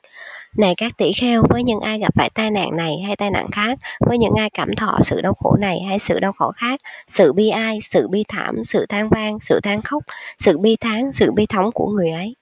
này các tỷ kheo với những ai gặp phải tai nạn này hay tai nạn khác với những ai cảm thọ sự đau khổ này hay sự đau khổ khác sự bi ai sự bi thảm sự than van sự than khóc sự bi thán sự bi thống của người ấy